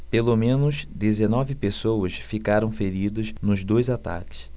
pelo menos dezenove pessoas ficaram feridas nos dois ataques